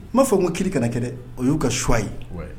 N b'a fɔ ko kiri kana kɛ o y'u ka s suwa ye